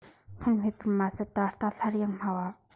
སྔར སྨྲས པར མ ཟད ད ལྟ སླར ཡང སྨྲ བ